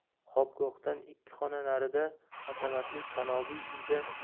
xobgohdan ikki xona narida hashamatli tanobiy uyda